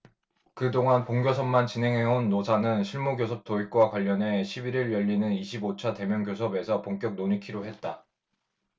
그 동안 본교섭만 진행해온 노사는 실무교섭 도입과 관련해 십 일 일 열리는 이십 오 차 대면교섭에서 본격 논의키로 했다